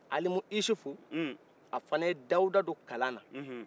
alimusufu a fana ye dawuda don kalan na